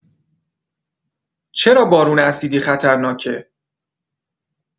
چرا بارون اسیدی خطرناکه؟